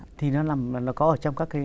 thì nó nằm nó có ở trong các cái